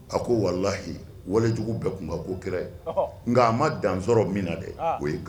A ko walahi walijugu bɛɛ kun ka go kira ye, nka a ma dansɔrɔ min na dɛ, o ye '